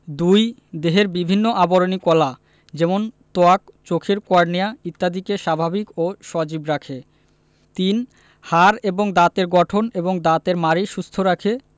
২ দেহের বিভিন্ন আবরণী কলা যেমন ত্বক চোখের কর্নিয়া ইত্যাদিকে স্বাভাবিক ও সজীব রাখে ৩ হাড় এবং দাঁতের গঠন এবং দাঁতের মাড়ি সুস্থ রাখে